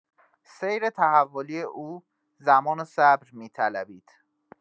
سیر تحولی او زمان و صبر می‌طلبید.